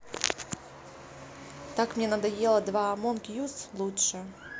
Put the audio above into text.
так мне надоело два among us лучше